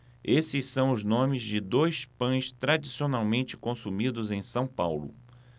esses são os nomes de dois pães tradicionalmente consumidos em são paulo